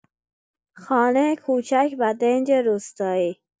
خانه کوچک و دنج روستایی